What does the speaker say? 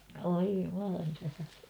voi Jumalan tähden